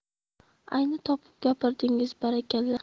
ayni topib gapirdingiz barakalla